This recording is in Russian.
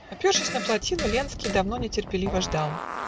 Опершись на плотину, Ленский Давно нетерпеливо ждал